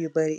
yu barri.